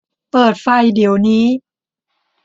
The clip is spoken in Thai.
เปิดไฟเดี๋ยวนี้